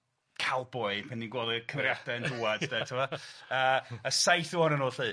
cowboi pan ni gweld y cymeriade yn dŵad de ti'mo yy y saith ohonyn nhw 'lly.